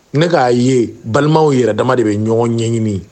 Ne k'a ye balimaw yɛrɛ dama de bɛ ɲɔgɔn ɲɛɲini